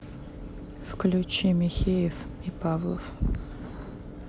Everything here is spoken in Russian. включи михеев и павлов